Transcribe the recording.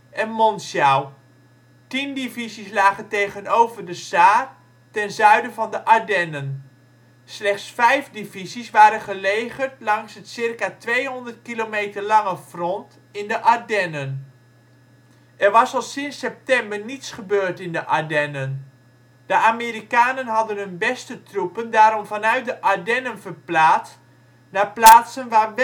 en Monschau. Tien divisies lagen tegenover de Saar, ten zuiden van de Ardennen. Slechts vijf divisies waren gelegerd langs het circa tweehonderd kilometer lange front in de Ardennen. Er was al sinds september niets gebeurd in de Ardennen. De Amerikanen hadden hun beste troepen daarom vanuit de Ardennen verplaatst naar plaatsen waar